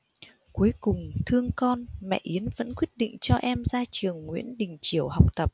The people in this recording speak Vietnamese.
cuối cùng thương con mẹ yến vẫn quyết định cho em ra trường nguyễn đình chiểu học tập